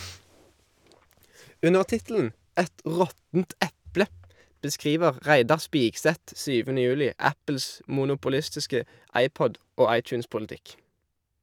Under tittelen "Et råttent eple" beskriver Reidar Spigseth 7. juli Apples monopolistiske iPod- og iTunes-politikk.